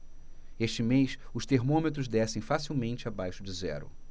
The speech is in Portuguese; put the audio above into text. este mês os termômetros descem facilmente abaixo de zero